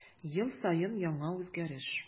Ел саен яңа үзгәреш.